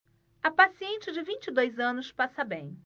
a paciente de vinte e dois anos passa bem